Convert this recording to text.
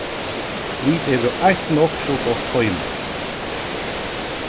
vit eru eitt nokk so gott toymi